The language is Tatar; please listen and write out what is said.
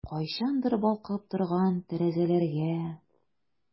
Кайчандыр балкып торган тәрәзәләргә...